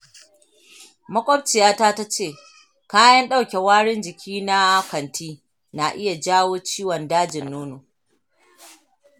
makwabciyata ta ce kayan dauke warin jiki na kanti na iya jawo ciwon dajin nono.